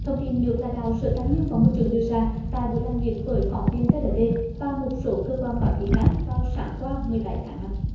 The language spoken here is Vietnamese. thông tin được lãnh đạo sở tài nguyên và môi trường đưa ra tại buổi làm việc với phóng viên tê lờ tê và một số cơ quan báo chí khác vào sáng qua mười bảy tháng năm